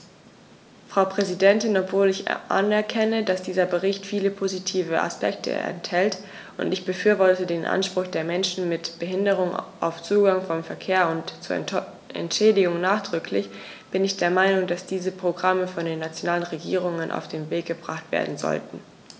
Frau Präsidentin, obwohl ich anerkenne, dass dieser Bericht viele positive Aspekte enthält - und ich befürworte den Anspruch der Menschen mit Behinderung auf Zugang zum Verkehr und zu Entschädigung nachdrücklich -, bin ich der Meinung, dass diese Programme von den nationalen Regierungen auf den Weg gebracht werden sollten.